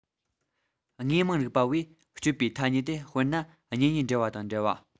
དངོས མང རིག པ བས སྤྱོད པའི ཐ སྙད དེ དཔེར ན གཉེན ཉེའི འབྲེལ བ དང འབྲེལ བ